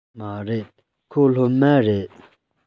མ རེད ཁོ སློབ མ རེད